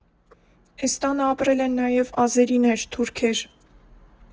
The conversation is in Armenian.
Էս տանը ապրել են նաև ազերիներ, թուրքեր։